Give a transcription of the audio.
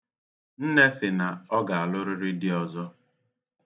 Nne sị na ọ ga-alụrịrị di ọzọ.